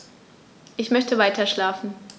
Ich möchte weiterschlafen.